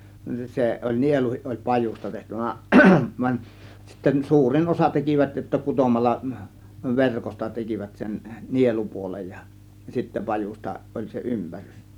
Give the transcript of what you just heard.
se oli nieluun oli pajusta tehty vaan vaan sitten suurin osa tekivät jotta kutomalla verkosta tekivät sen nielupuolen ja sitten pajusta oli se ympärys